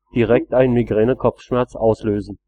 direkt einen Migränekopfschmerz auslösen